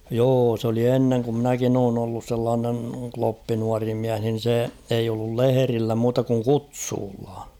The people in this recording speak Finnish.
joo se oli ennen kun minäkin olen ollut sellainen kloppi nuori mies niin se ei ollut lehdillä muuta kuin kutsulla